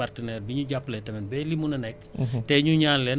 mu ngi ciy jàppale sàmmkat yi ak baykat yi